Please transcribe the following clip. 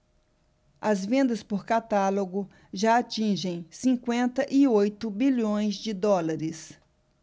as vendas por catálogo já atingem cinquenta e oito bilhões de dólares